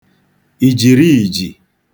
ìjìriij̀ì